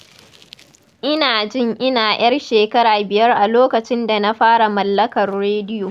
Ina jin ina 'yar shekara 5 a lokacin da na fara mallakar rediyo.